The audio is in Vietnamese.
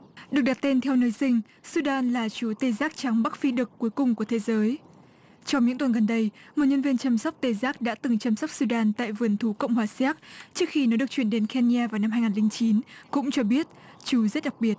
được đặt tên theo nơi sinh xu đan là chú tê giác trắng bắc phi đực cuối cùng của thế giới trong những tuần gần đây một nhân viên chăm sóc tê giác đã từng chăm sóc xu đan tại vườn thú cộng hòa séc trước khi nó được chuyển đến ke ni a vào năm hai ngàn linh chín cũng cho biết chú rất đặc biệt